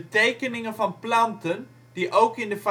tekeningen van planten die ook in de